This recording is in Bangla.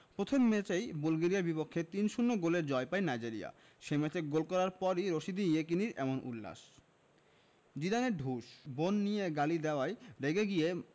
প্রথম ম্যাচেই বুলগেরিয়ার বিপক্ষে ৩ ০ গোলের জয় পায় নাইজেরিয়া সে ম্যাচে গোল করার পরই রশিদী ইয়েকিনির এমন উল্লাস জিদানের ঢুস বোন নিয়ে গালি দেওয়ায় রেগে গিয়ে